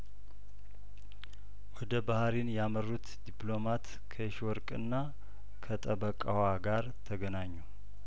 ወደ ባህሪን ያመሩት ዲፕሎማት ከየሺወርቅና ከጠበቃዋ ጋር ተገናኙ